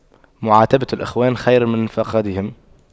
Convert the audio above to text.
معاتبة الإخوان خير من فقدهم